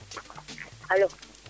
Alo